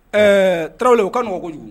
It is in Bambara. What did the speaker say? Ɛɛ tarawele u ka ŋ kojugu